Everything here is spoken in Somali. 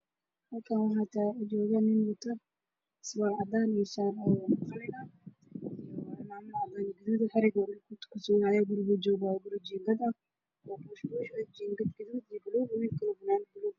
Waa nin wato shaati iyo funaanad cagar